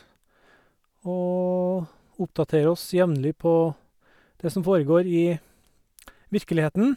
Og oppdatere oss jevnlig på det som foregår i virkeligheten.